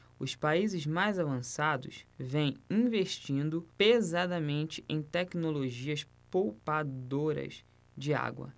os países mais avançados vêm investindo pesadamente em tecnologias poupadoras de água